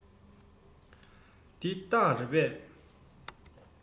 འདི སྟག རེད པས